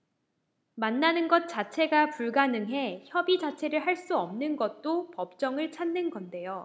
만나는 것 자체가 불가능해 협의 자체를 할 수 없는 것도 법정을 찾는 건데요